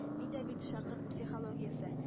Миндә бит шәкырт психологиясе